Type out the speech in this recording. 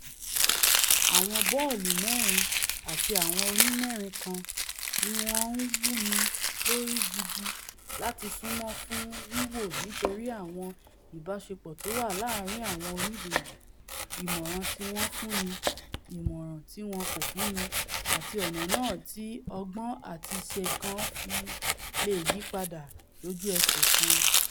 Àwọn bọ́ọ̀lu-mẹ́rin àti àwọn onímẹ́rin kan niwọ́n ńwúni lórí gidi láti súnmọ́ fún wíwò nítorí àwọn ìbáṣepọ̀ tówà láàrin àwọn oníbejì, ìmọ̀ràn tíwọn fúnni, ìmọ̀ràn tíwọn kò fúnni àti ọ̀nà náà tí ọgbọ́n-àtiṣeǹkan fi leè yípadà lójú-ẹ̀ṣẹ̀ kan.